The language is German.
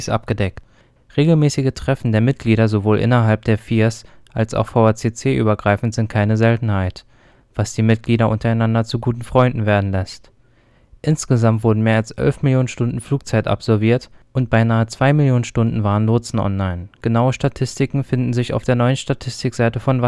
abgedeckt. Regelmäßige Treffen der Mitglieder, sowohl innerhalb der FIRs als auch vACC übergreifend, sind keine Seltenheit - was die Mitglieder untereinander zu guten Freunden werden lässt. Insgesamt wurden mehr als 11 Millionen Stunden Flugzeit absolviert und beinahe 2 Millionen Stunden waren Lotsen online. Genaue Stastiken finden sich auf der neuen Statistik-Seite von